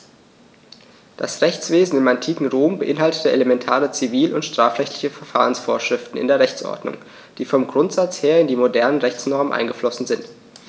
Das Rechtswesen im antiken Rom beinhaltete elementare zivil- und strafrechtliche Verfahrensvorschriften in der Rechtsordnung, die vom Grundsatz her in die modernen Rechtsnormen eingeflossen sind.